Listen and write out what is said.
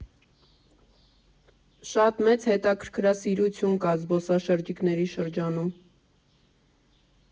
Շատ մեծ հետաքրքրասիրություն կա զբոսաշրջիկների շրջանում։